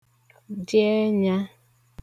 dị ẹnyā